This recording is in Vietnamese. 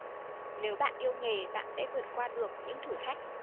nếu bạn yêu nghề bạn sẽ vượt qua được những thử thách